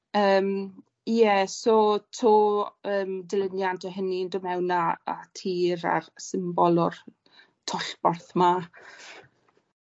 Yym ie so 'to yym dilyniant o hynny'n dod mewn a a tir a'r symbol o'r tollborth 'ma.